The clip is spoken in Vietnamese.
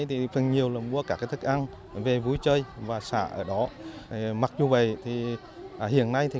thì phần nhiều là mua các cái thức ăn về vui chơi và xả ở đó mặc dù vầy thì hiện nay ờ